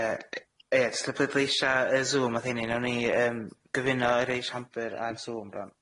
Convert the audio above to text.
Yy ie jyst 'y pleidleisha yy y Zoom wrth i ni newn ni yym gyfuno y rei shambyr a'r Zoom rŵan.